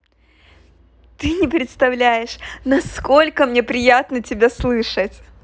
ты не представляешь насколько мне приятно тебя слышать